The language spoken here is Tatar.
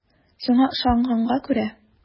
Сиңа ышанганга күрә.